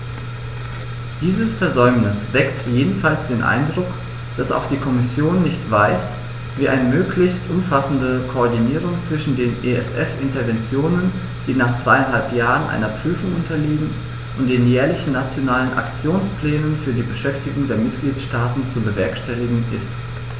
Dieses Versäumnis weckt jedenfalls den Eindruck, dass auch die Kommission nicht weiß, wie eine möglichst umfassende Koordinierung zwischen den ESF-Interventionen, die nach dreieinhalb Jahren einer Prüfung unterliegen, und den jährlichen Nationalen Aktionsplänen für die Beschäftigung der Mitgliedstaaten zu bewerkstelligen ist.